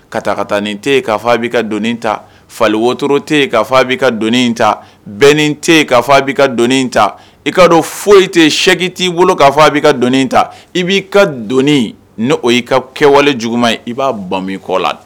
Ka ta ka taa ni tɛ yen'a fɔ a b'i ka dɔni ta fali wotoro tɛ yen'a fɔ a bɛ'i ka don ta bɛnin tɛ'a a b'i ka doni ta i ka dɔn foyi i tɛ sɛ t'i bolo k'a fɔ a b'i ka dɔni ta i b'i ka don ni o'i ka kɛwale juguman ye i b'a ba kɔ la